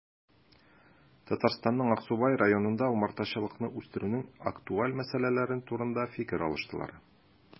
Татарстанның Аксубай районында умартачылыкны үстерүнең актуаль мәсьәләләре турында фикер алыштылар